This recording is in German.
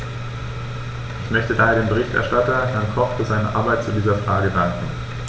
Ich möchte daher dem Berichterstatter, Herrn Koch, für seine Arbeit zu dieser Frage danken.